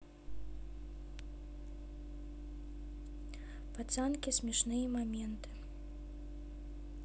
пацанки смешные моменты